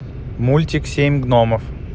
мультик семь гномов